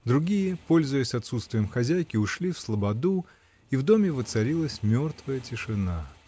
другие, пользуясь отсутствием хозяйки, ушли в слободу, и в доме воцарилась мертвая тишина.